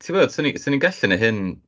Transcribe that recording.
Tibod 'sa ni'n 'sa ni'n gallu wneud hyn...